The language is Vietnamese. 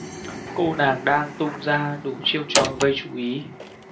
cô nàng đang tung ra đủ chiêu trò gây chú ý